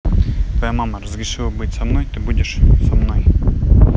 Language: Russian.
твоя мама разрешила быть со мной ты будешь со мной